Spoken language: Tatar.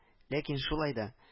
Ләкин шулай да